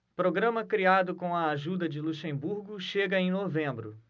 programa criado com a ajuda de luxemburgo chega em novembro